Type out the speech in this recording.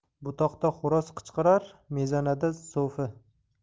butoqda xo'roz qichqirar mezanada so'fi